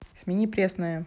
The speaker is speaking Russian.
смени пресная